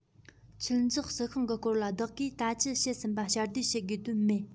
འཁྱུད འཛེག རྩི ཤིང གི སྐོར ལ བདག གིས ད ཅི བཤད ཟིན པ སྐྱར ཟློས བྱེད དགོས དོན མེད